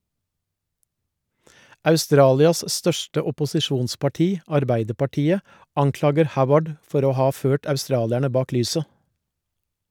Australias største opposisjonsparti - Arbeiderpartiet - anklager Howard for å ha ført australierne bak lyset.